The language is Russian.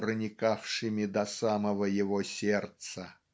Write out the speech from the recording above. проникавшими до самого его сердца"